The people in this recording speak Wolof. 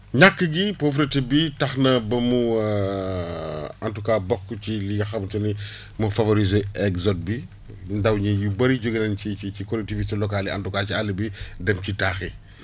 ñàkk gi pauvreté bi tax na ba mu en tout cas bokk ci li nga xam te ni moo favoriser exode bi ndaw ñi ñu bëri juge nañ ci ci ci collectivité locales yi en tout cas àll bi dem ci taax yi